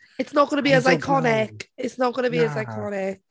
It's not going to be as iconic... Nah... It's not going to be as iconic.